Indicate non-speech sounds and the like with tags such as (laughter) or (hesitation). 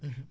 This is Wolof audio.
(hesitation) (hesitation)